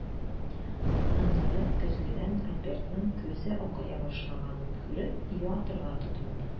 Аннары көзгедән Альбертның күзе акая башлаганын күреп, юатырга тотынды.